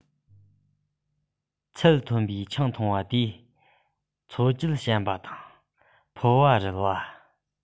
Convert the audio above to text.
ཚད མཐོན པོས ཆང འཐུང བ དེས འཚོ བཅུད ཞན པ དང ཕོ བ རུལ བ